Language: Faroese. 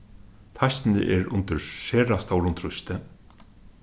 teistin er undir sera stórum trýsti